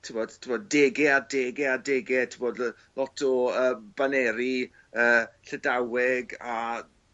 t'bod t'bod dege a dege a dege t'bod ly- lot o yym baneri yy Llydaweg a